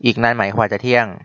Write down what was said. อีกนานไหมกว่าจะเที่ยง